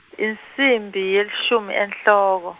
insimbi yelishumi enhloko.